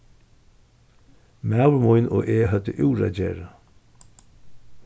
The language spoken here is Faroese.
maður mín og eg høvdu úr at gera